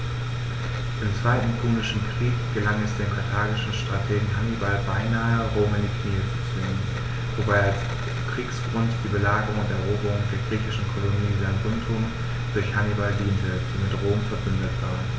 Im Zweiten Punischen Krieg gelang es dem karthagischen Strategen Hannibal beinahe, Rom in die Knie zu zwingen, wobei als Kriegsgrund die Belagerung und Eroberung der griechischen Kolonie Saguntum durch Hannibal diente, die mit Rom „verbündet“ war.